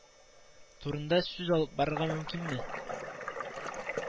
Турында сүз алып барырга мөмкинме